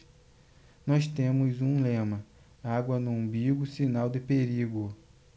nós temos um lema água no umbigo sinal de perigo